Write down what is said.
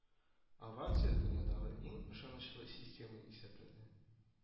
Овация дөньядагы иң ышанычлы система исәпләнә